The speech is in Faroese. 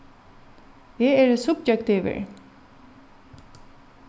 eg eri subjektivur